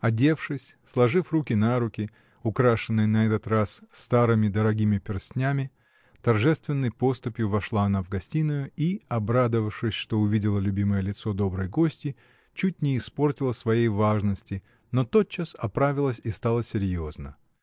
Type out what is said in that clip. Одевшись, сложив руки на руки, украшенные на этот раз старыми, дорогими перстнями, торжественной поступью вошла она в гостиную и, обрадовавшись, что увидела любимое лицо доброй гостьи, чуть не испортила своей важности, но тотчас оправилась и стала серьезна.